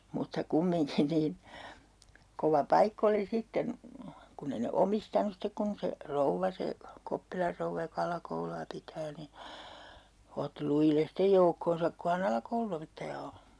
mutta kumminkin niin kova paikka oli sitten kun ei ne omistanut sitten kun se rouva se Koppilan rouva joka alakoulua pitää niin otti lujille sitten joukkonsa kun hän alakoulunopettaja on